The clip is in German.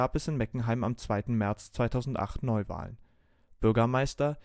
es in Meckenheim am 2. März 2008 Neuwahlen. Bürgermeister